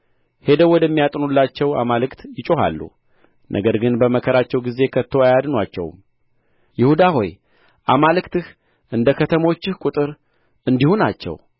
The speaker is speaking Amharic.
ሄደው ወደሚያጥኑላቸው አማልክት ይጮኻሉ ነገር ግን በመከራቸው ጊዜ ከቶ አያድኑአቸውም ይሁዳ ሆይ አማልክትህ እንደ ከተሞችህ ቍጥር እንዲሁ ናቸው